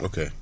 ok